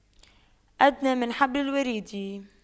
أدنى من حبل الوريد